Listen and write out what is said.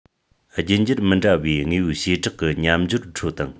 རྒྱུད འགྱུར མི འདྲ བའི དངོས པོའི བྱེ བྲག གི མཉམ སྦྱོར ཁྲོད དང